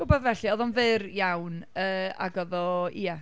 Rhwbath felly, oedd o'n fyr iawn yy ac oedd o, ia...